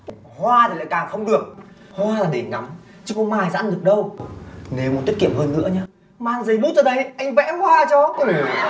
hoa thì lại càng không được hoa để ngắm chứ có mài ra ăn được đâu nếu mà tiết kiệm hơn nữa nhớ mang giấy bút ra đây anh vẽ hoa cho